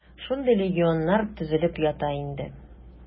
Шундый легионнар төзелеп ята инде.